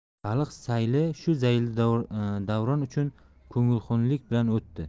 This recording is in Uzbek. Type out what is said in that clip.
baliq sayli shu zaylda davron uchun ko'ngilxunlik bilan o'tdi